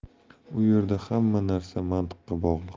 u yerda hamma narsa mantiqqa bog'liq